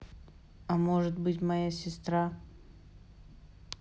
а может быть моя сестра